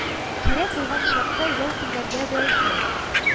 Кирәк булган чакта ял көннәрдә дә эшләү»